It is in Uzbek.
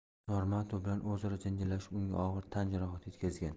normatov bilan o'zaro janjallashib unga og'ir tan jarohati yetkazgan